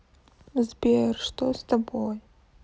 сбер что с тобой